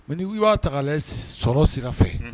Mɛ y'a tala sɔrɔ sira fɛ